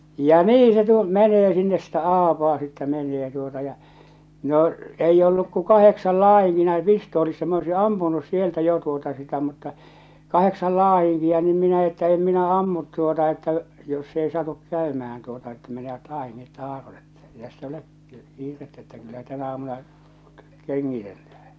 ja niin se tuo menee sinne sitä aapaa sitten menee tuota ja no ei ollut kuin kahdeksan - näin pistoolissa minä olisin ampunut sieltä jo tuota sitä mutta kahdeksan latinkia niin minä että en minä ammu tuota että jos se ei satu käymään tuota että menevät aineet taaron että ei tässä ole kiirettä että kyllä tänä aamuna kengitellään